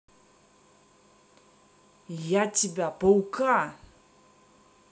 я тебя паука